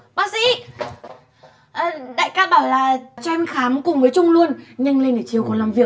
bác sĩ đại ca bảo là cho em khám cùng với trung luôn nhanh lên để chiều còn làm việc